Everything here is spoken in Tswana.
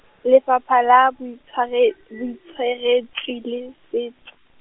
Lefapha la Boitshware- Botsweretshi le, Sets-.